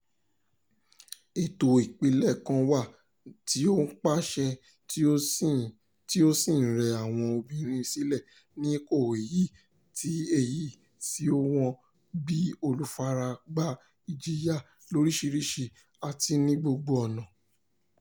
Ètò ìpìlẹ̀ kan wà tí ó ń pàṣẹ tí ó sì ń rẹ àwọn obìnrin sílẹ̀ sí ipò ẹ̀yìn tí èyí sì sọ wọ́n di olùfaragbá ìjìyà lóríṣiríṣi àti ní gbogbo ọ̀nà.